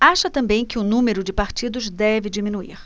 acha também que o número de partidos deve diminuir